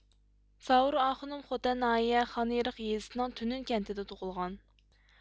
ساۋۇر ئاخۇنۇم خوتەن ناھىيە خانئېرىق يېزىسىنىڭ تۈنۈن كەنتىدە تۇغۇلغان